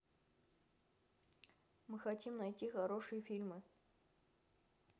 мы хотим найти хорошие фильмы